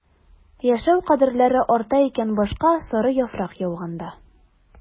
Яшәү кадерләре арта икән башка сары яфрак яуганда...